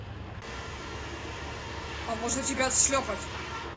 а можно тебя отшлепать